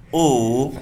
Un